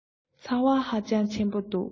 ཚ བ ཧ ཅང ཆེན པོ འདུག